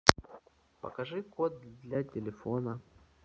покажи код для телефона